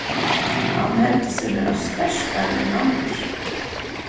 hann heldur seg vera sterkari enn hann er